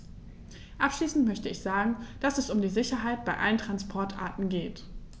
Abschließend möchte ich sagen, dass es um die Sicherheit bei allen Transportarten geht.